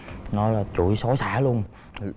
nói là chửi xối xả luôn